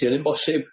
'Di hynny'n bosib?